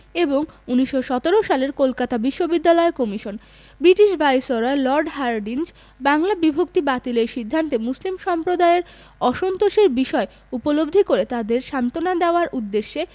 এবং ১৯১৭ সালের কলকাতা বিশ্ববিদ্যালয় commission British viceroy Lord Hardinge Bangla বিভক্তি বাতিলের সিদ্ধান্তে মুসলিম সম্প্রদায়ের অসন্তোষের বিষয় উপলব্ধি করে তাদের সান্ত্বনা দেওয়ার উদ্দেশ্যে